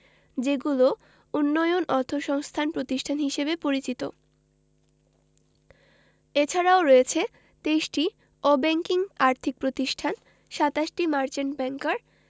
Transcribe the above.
যেগুলো উন্নয়ন অর্থসংস্থান প্রতিষ্ঠান হিসেবে পরিচিত এছাড়াও রয়েছে ২৩টি অব্যাংকিং আর্থিক প্রতিষ্ঠান ২৭টি মার্চেন্ট ব্যাংকার